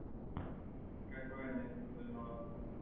какое место заняла